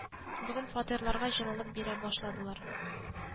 Бүген фатирларга җылылык бирә башладылар